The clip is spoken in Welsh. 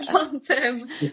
Long term .